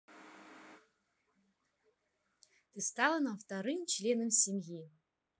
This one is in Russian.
ты стала нам вторым членом семьи